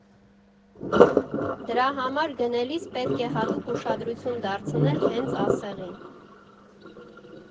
Դրա համար գնելիս պետք է հատուկ ուշադրություն դարձնել հենց ասեղին։